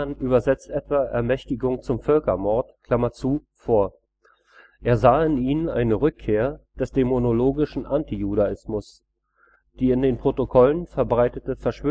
übersetzt etwa „ Ermächtigung zum Völkermord “) vor. Er sah in ihnen eine Rückkehr des dämonologischen Antijudaismus. Die in den Protokollen verbreitete Verschwörungstheorie